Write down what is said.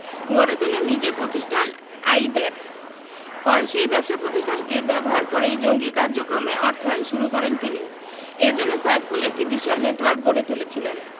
গড়ে তোলেন নিজের পতিষ্ঠান আইব্যাকস পরে সেই ব্যবসা পতিষ্ঠানকে ব্যবহার করেই জঙ্গি কার্যক্রমে অর্থায়ন শুরু করেন তিনি এ জন্য সাইফুল একটি বিশাল নেটওয়ার্ক গড়ে তুলেছিলেন